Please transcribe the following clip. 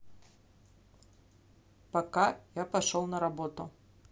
пока я пошел на работу